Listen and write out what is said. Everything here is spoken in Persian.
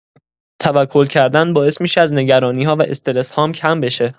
توکل کردن باعث می‌شه از نگرانی‌ها و استرس‌هام کم بشه.